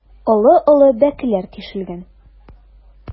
Олы-олы бәкеләр тишелгән.